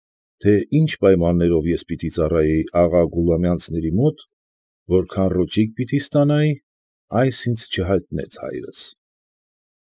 Թե ինչ պայմաններով ես պիտի ծառայեի աղա Գուլամյանցների մոտ, որքան ռոճիկ պիտի ստանայի ֊ այս ինձ չհայտնեց հայրս։